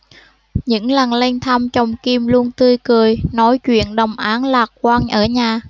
những lần lên thăm chồng kim luôn tươi cười nói chuyện đồng áng lạc quan ở nhà